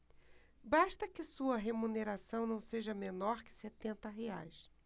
basta que sua remuneração não seja menor que setenta reais